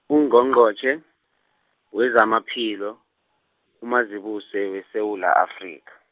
Ungqongqotjhe, wezamaphilo, uMazibuse weSewula Afrika.